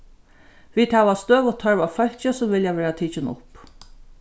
vit hava støðugt tørv á fólki sum vilja verða tikin upp